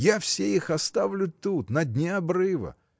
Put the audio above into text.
Я все их оставлю тут, на дне обрыва!